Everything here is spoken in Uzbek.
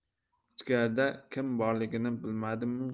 ichkarida kim borligini bilmadimu